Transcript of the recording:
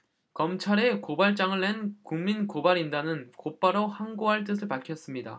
검찰에 고발장을 낸 국민고발인단은 곧바로 항고할 뜻을 밝혔습니다